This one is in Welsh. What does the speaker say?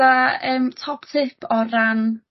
'a yym top tip o ran